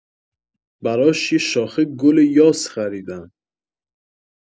براش یه شاخه گل یاس خریدم